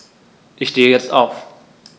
Ich stehe jetzt auf.